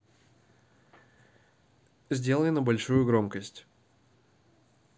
сделай на большую громкость